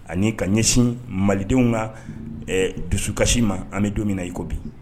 Ani ka ɲɛsin malidenw ka dusukasi ma an bi don min na i ko bi.